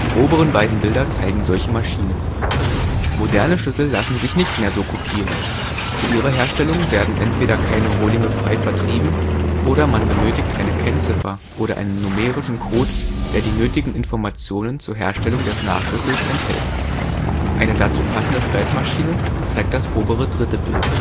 oberen beiden Bilder zeigen solche Maschinen. Modernere Schlüssel lassen sich nicht mehr so kopieren. Für ihre Herstellung werden entweder keine Rohlinge frei vertrieben oder man benötigt eine Kennziffer oder einen numerischen Code, der die nötigen Informationen zur Herstellung des Nachschlüssels enthält. Eine dazu passende Fräsmaschine zeigt das obere dritte Bild